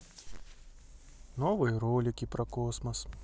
новые ролики про космос